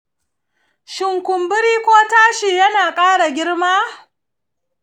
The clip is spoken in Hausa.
shin kumburin ko tashin yana ƙara girma?